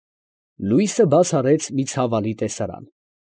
Լուսը բաց արեց մի ցավալի տեսարան։